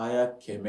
A' y'a kɛmɛ